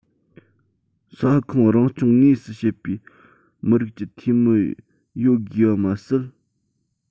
ས ཁོངས རང སྐྱོང དངོས སུ བྱེད པའི མི རིགས ཀྱི འཐུས མི ཡོད དགོས པ མ ཟད